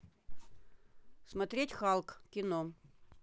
смотреть халк кино